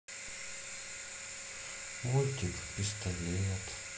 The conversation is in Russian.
мультик пистолет